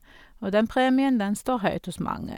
Og den premien, den står høyt hos mange.